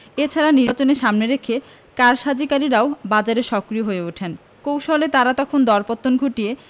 এ ছাড়া নির্বাচন সামনে রেখে কারসাজিকারকেরাও বাজারে সক্রিয় হয়ে ওঠেন কৌশলে তাঁরা তখন দরপতন ঘটিয়ে